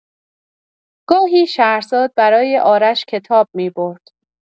گاهی شهرزاد برای آرش کتاب می‌برد.